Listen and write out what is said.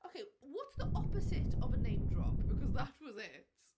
Ok, what's the opposite of a name drop, because that was it.